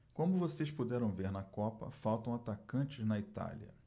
como vocês puderam ver na copa faltam atacantes na itália